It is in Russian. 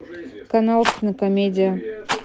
канал кинокомедия